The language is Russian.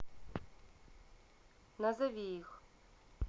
назови их